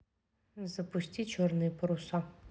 запусти черные паруса